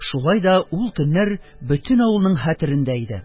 Шулай да ул көннәр бөтен авылның хәтерендә иде.